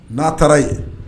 N'a taara yen